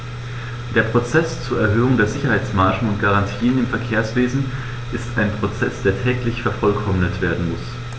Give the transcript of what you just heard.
Der Prozess zur Erhöhung der Sicherheitsmargen und -garantien im Verkehrswesen ist ein Prozess, der täglich vervollkommnet werden muss.